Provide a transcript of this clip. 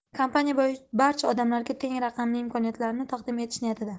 kompaniya barcha odamlarga teng raqamli imkoniyatlarni taqdim etish niyatida